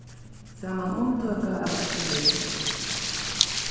samanumtøka av eftirlitinum